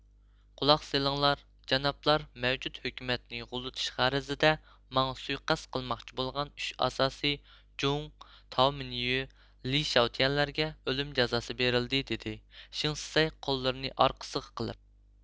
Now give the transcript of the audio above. قۇلاق سېلىڭلار جانابلار مەۋجۇت ھۆكۈمەتنى غۇلىتىش غەرىزىدە ماڭا سۇيىقەست قىلماقچى بولغان ئۈچ ئاسىي جۇڭ تاۋمىنيۆ لىشياۋتيەنلەرگە ئۆلۈم جازاسى بېرىلدى دېدى شېڭ شىسەي قوللىرىنى ئارقىسىغا قىلىپ